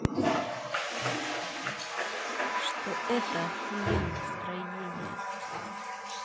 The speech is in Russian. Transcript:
что это охуенно строения